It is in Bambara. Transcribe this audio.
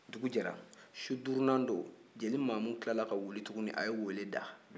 dugu jɛra su durunan don jeli mamu tilala ka wuli tuguni a ye weele da